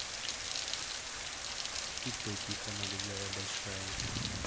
и то тихо налегая большая